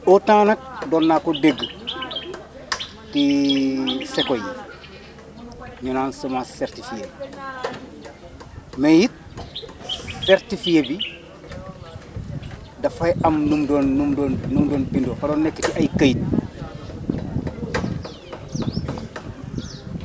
au temps nag doon naa ko dégg ci ci Secco yi ñu naan semence certifiée mais it certifiée bi dafay am nu mu doon nu mu doon nu mu doon bindoo dafa doon nekk si ay këyit